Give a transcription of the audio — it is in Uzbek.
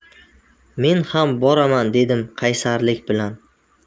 men ham boraman dedim qaysarlik bilan